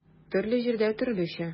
Төрле җирдә төрлечә.